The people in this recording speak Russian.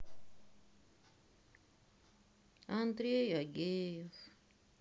андрей агеев